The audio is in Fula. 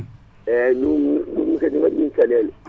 eyyi min ni ɗum ne kaadi ne waɗi min caɗele